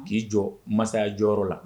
K'i jɔ mansaya jɔyɔrɔ la.